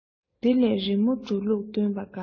དེ ལས རི མོའི འགྲོ ལུགས བསྟུན པ དགའ